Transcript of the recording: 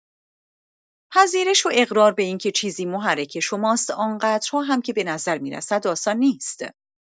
پذیرش و اقرار به اینکه چیزی محرک شماست آن‌قدرها هم که به نظر می‌رسد آسان نیست!